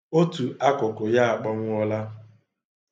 Otu akụkụ ya akpọwụọla.